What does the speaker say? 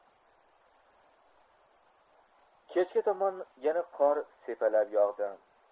kechga tomon yana qor sepalab yog'di